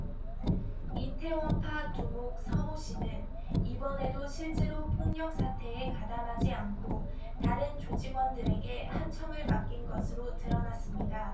이태원파 두목 서 모 씨는 이번에도 실제로 폭력 사태에 가담하지 않고 다른 조직원들에게 하청을 맡긴 것으로 드러났습니다